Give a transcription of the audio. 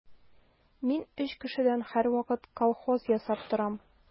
Мин өч кешедән һәрвакыт колхоз ясап торам.